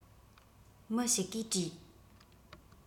མི ཞིག གིས དྲིས